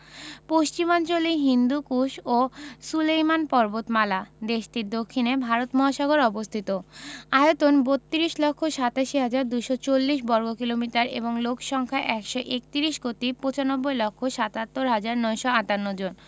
পশ্চিমাঞ্চলে হিন্দুকুশ ও সুলেমান পর্বতমালাদেশটির দক্ষিণে ভারত মহাসাগর অবস্থিত আয়তন ৩২ লক্ষ ৮৭ হাজার ২৪০ বর্গ কিমি এবং লোক সংখ্যা ১৩১ কোটি ৯৫ লক্ষ ৭৭ হাজার ৯৫৮ জন